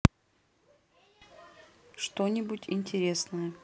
что нибудь интересное